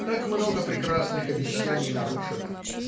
Так много прекрасных обещаний нарушено